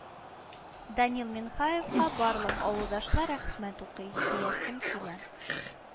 Данил Минһаевка барлык авылдашлар рәхмәт укый, диясем килә